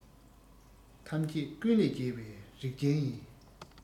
ཐམས ཅད ཀུན ལས རྒྱལ བའི རིག ཅན ཡིན